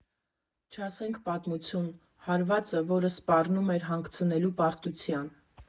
Չասենք պարտություն՝ հարվածը, որը սպառնում էր հանգեցնելու պարտության։